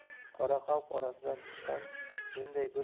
qora xalq orasidan chiqqan menday bir